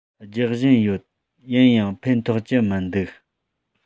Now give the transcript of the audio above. རྒྱག བཞིན ཡོད ཡིན ཡང ཕན ཐོགས ཀྱི མི འདུག